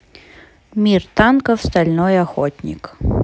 мир танков стальной охотник